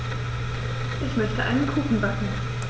Ich möchte einen Kuchen backen.